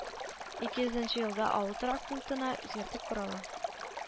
Ике йөзенче елда авыл торак пунктына үзгәртеп корыла